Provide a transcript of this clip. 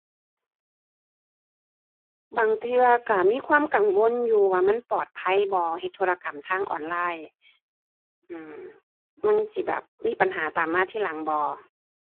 บางเทื่อก็มีความกังวลอยู่ว่ามันปลอดภัยบ่ เฮ็ดธุรกรรมทางออนไลน์ อือ มันจิแบบมีปัญหาตามมาทีหลังบ่